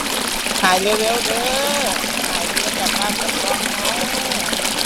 หายเร็วเร็วเด้อ ให้หายเร็วกลับบ้านกลับช่องช่องหั้นล่ะ